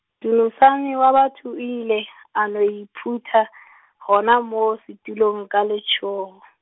Dunusani wa batho o ile a no iphutha , gona moo setulong ka letšhogo.